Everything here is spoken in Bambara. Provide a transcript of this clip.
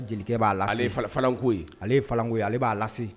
Jelikɛ'a la aleko aleko ale b'a lase